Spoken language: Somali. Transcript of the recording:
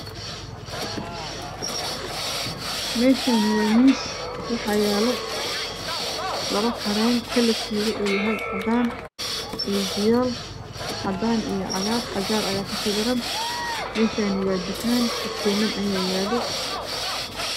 Meeshaan waa miis waxaa yaalo labo kareem kalarkeedu uu yahay cadaan iyo fiyool. Cadaan iyo cagaar. Qajaar ayaa kusawiran meeshaan waa tukaan kartoomo ayaa yaalo.